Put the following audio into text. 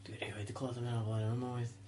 Dwi rioed 'di clwad wnna o'r blaen yn ym mywyd.